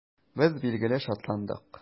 Без, билгеле, шатландык.